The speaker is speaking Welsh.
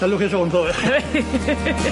Daliwch chi'r .